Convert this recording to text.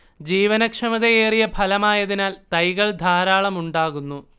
ജീവനക്ഷമതയേറിയ ഫലമായതിനാൽ തൈകൾ ധാരാളം ഉണ്ടാകുന്നു